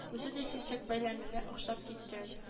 Үзе дә чәчәк бәйләменә охшап киткән